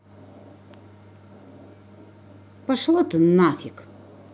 пошла ты нафиг